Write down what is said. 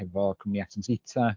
efo cwmni AxonZeta.